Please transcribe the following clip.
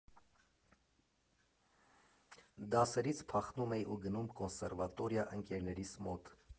Դասերից փախնում էի ու գնում կոնսերվատորիա՝ ընկերներիս մոտ։